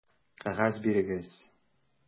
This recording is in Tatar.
Кәгазь бирегез!